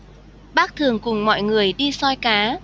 bác thường cùng mọi người đi soi cá